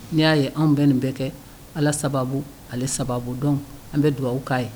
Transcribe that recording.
N'i y'a ye anw bɛɛ nin bɛ kɛ ala sababu ale sababu dɔn an bɛ dugawuwa aw k'a ye